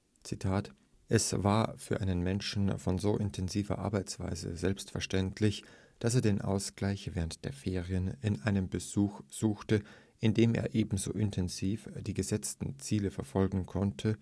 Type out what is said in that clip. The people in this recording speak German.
‚ Es war für einen Menschen von so intensiver Arbeitsweise selbstverständlich, dass er den Ausgleich während der Ferien in einem Bereich suchte, in dem er ebenso intensiv die gesetzten Ziele verfolgen konnte